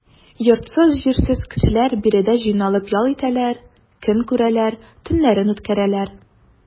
Йортсыз-җирсез кешеләр биредә җыйналып ял итәләр, көн күрәләр, төннәрен үткәрәләр.